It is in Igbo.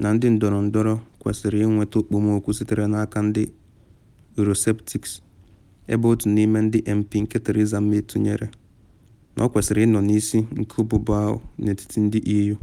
na ndị ndọrọndọrọ kwesịrị ‘ịnweta okpomọkụ’ sitere n’aka ndị Eurosceptics - ebe otu n’ime ndị MP nke Theresa May tụnyere na ọ kwesịrị ị nọ n’isi nke ụbụbọ ahụ dị n’etiti EU.